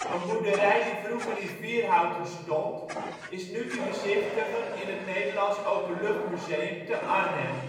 boerderij die vroeger in Vierhouten stond, is nu te bezichtigen in het Nederlands Openluchtmuseum te Arnhem